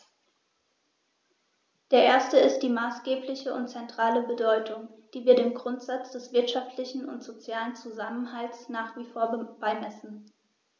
Der erste ist die maßgebliche und zentrale Bedeutung, die wir dem Grundsatz des wirtschaftlichen und sozialen Zusammenhalts nach wie vor beimessen.